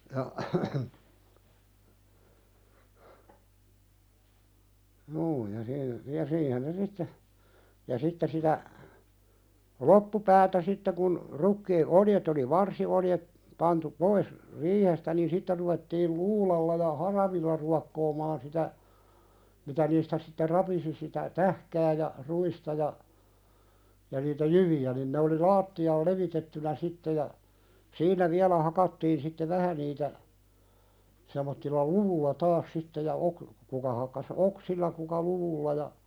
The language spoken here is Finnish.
ja juu ja - ja siihen ne sitten ja sitten sitä loppupäätä sitten kun rukiit oljet oli varsioljet pantu pois riihestä niin sitten ruvettiin luudalla ja haravilla ruokkoamaan sitä mitä niistä sitten rapisi sitä tähkää ja ruista ja ja niitä jyviä niin ne oli lattialle levitettynä sitten ja siinä vielä hakattiin sitten vähän niitä semmoisella luvulla taas sitten ja - kuka hakkasi oksilla kuka luvulla ja